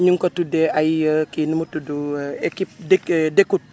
ñu ngi ko tuddee ay kii nu mu tudd équipe d' écou d' écoute